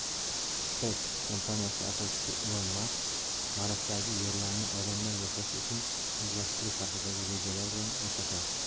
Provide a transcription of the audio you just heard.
spacex kompaniyasi asoschisi ilon mask marsdagi yerlarni odamlar yashashi uchun o'zlashtirish haqidagi rejalari bilan o'rtoqlashdi